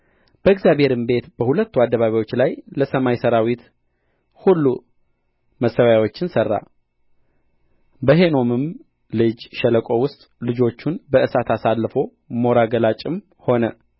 በእግዚአብሔር ቤት መሠዊያዎችን ሠራ እግዚአብሔርም ቤት በሁለቱ አደባባዮች ላይ ለሰማይ ሠራዊት ሁሉ መሠዊያዎችን ሠራ በሄኖምም ልጅ ሸለቆ ውስጥ ልጆቹን በእሳት አሳለፈ ሞራ ገላጭም ሆነ